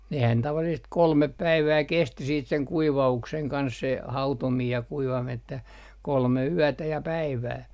nehän tavallisesti kolme päivää kesti sitten sen kuivauksen kanssa se hautominen ja kuivaminen että kolme yötä ja päivää